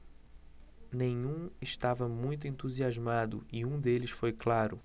nenhum estava muito entusiasmado e um deles foi claro